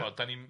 ti'bod dan ni'n